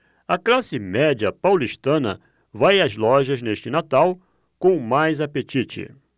a classe média paulistana vai às lojas neste natal com mais apetite